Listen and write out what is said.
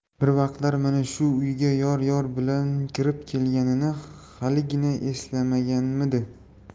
bir vaqtlar mana shu uyga yor yor bilan kirib kelganini haligina eslamaganmidi